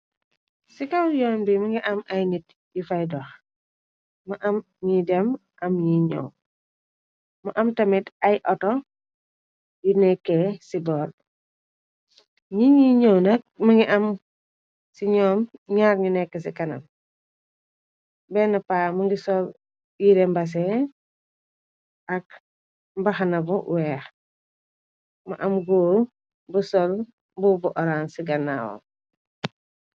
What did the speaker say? Ci kaw yom bi mi ngi am ay nit yi fay dox ma am ni dem am ñi ñoow mu am tamit ay auto yu nekke ci boorb ñi ngi ñëow nak mi ngi am ci ñoom ñaar ñu nekk ci kanam benn pa m ngi sol yire mbasee ak mbaxanabu weex mu am góor bu sol bu bu orane ci gannaawam.